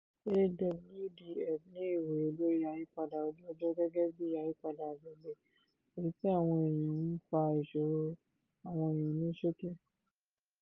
AWDF ní ìwòyè lórí ayípadà ojú-ọjọ́ gẹ́gẹ́ bíi àyípadà agbègbè, èyí tí àwọn èèyàn ń fà—ìṣòrò àwọn èèyàn ní ṣókí.